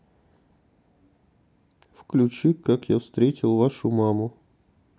включи как я встретил вашу маму